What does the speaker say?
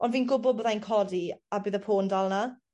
On' fi'n gwbo byddai'n codi a bydd y po'n dal 'na.